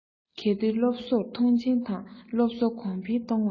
གལ ཏེ སློབ གསོར མཐོང ཆེན དང སློབ གསོ གོང འཕེལ གཏོང བ ལ